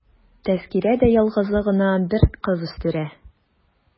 Тәзкирә дә ялгызы гына бер кыз үстерә.